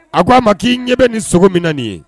A ko a ma k'i ɲɛ bɛ ni sogo min nin ye